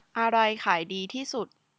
อะไรขายดีที่สุด